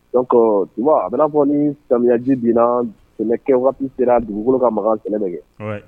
Donc tu vois a bi na fɔ ni samiyaji bin na. Sɛnɛkɛ waati sera dugukolo ka makan sɛnɛ bi kɛ.